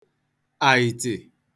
àị̀tị̀